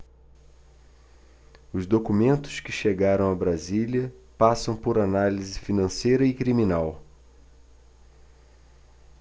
os documentos que chegaram a brasília passam por análise financeira e criminal